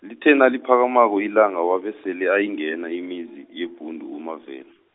lithe naliphakamako ilanga wabe sele ayingena imizi yeBhundu uMavela.